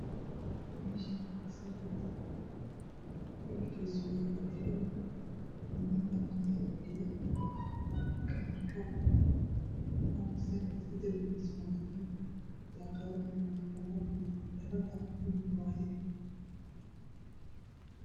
Meshani waa masjid midabkiisu yahay dahabi niman badan ayaa fadhiya derbiga waa cadan daqadahana waa cadan